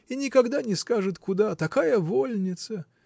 и никогда не скажет куда — такая вольница!